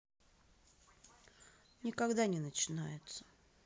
никогда не начинается